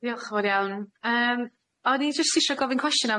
Diolch yn fowr iawn yym o'n i jyst isho gofyn cwestiwn